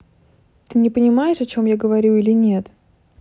ты не понимаешь о чем я говорю или нет